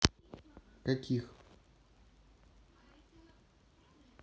каких